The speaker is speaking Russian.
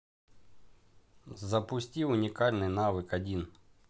запусти уникальный навык один